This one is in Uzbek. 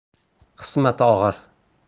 qismati og'ir